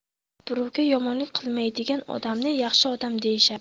birovga yomonlik qilmaydigan odamni yaxshi odam deyishadi